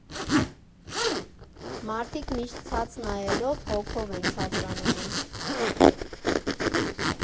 Մարդիկ միշտ ցած նայելով՝ հոգով են ցածրանում են…